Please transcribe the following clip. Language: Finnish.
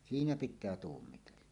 siinä pitää tuumia